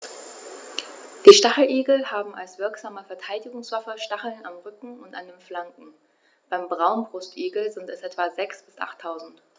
Die Stacheligel haben als wirksame Verteidigungswaffe Stacheln am Rücken und an den Flanken (beim Braunbrustigel sind es etwa sechs- bis achttausend).